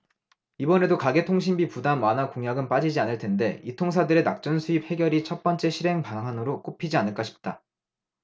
이번에도 가계통신비 부담 완화 공약은 빠지지 않을텐데 이통사들의 낙전수입 해결이 첫번째 실행 방안으로 꼽히지 않을까 싶다